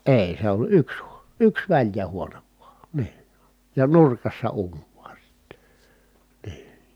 ei se oli yksi - yksi väljä huone vain niin ja nurkassa uuni vain sitten niin